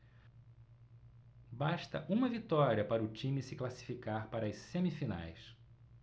basta uma vitória para o time se classificar para as semifinais